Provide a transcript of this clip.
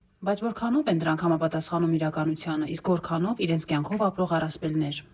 Բայց որքանո՞վ են դրանք համապատասխանում իրականությանը, իսկ որքանով՝ իրենց կյանքով ապրող առասպելներ։